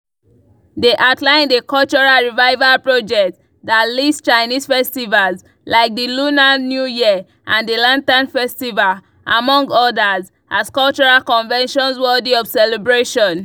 They outlined a cultural revival project that lists Chinese festivals like the Lunar New Year and the Lantern Festival, among others, as cultural conventions worthy of celebration.